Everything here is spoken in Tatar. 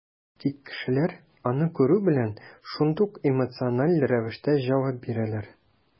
Тик кешеләр, аны күрү белән, шундук эмоциональ рәвештә җавап бирәләр.